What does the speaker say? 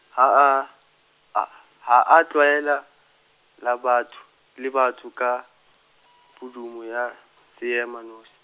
ha a, h- ha a tlwaela, la batho, le batho ka, pudumo ya, seema nosi.